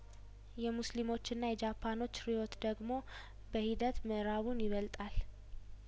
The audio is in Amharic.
የሙስሊሞችና የጃፓኖች ሪዮት ደግሞ በሂደት ምእራቡን ይበልጣል